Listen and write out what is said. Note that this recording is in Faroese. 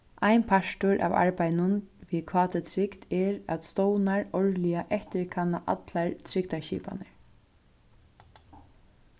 ein partur av arbeiðinum við kt-trygd er at stovnar árliga eftirkanna allar trygdarskipanir